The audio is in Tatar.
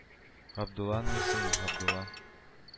Габдулла аның исеме, Габдулла